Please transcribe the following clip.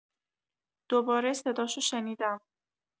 دوباره صداشو شنیدم.